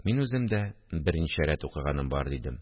Мин үзем дә берничә рәт укыганым бар, – дидем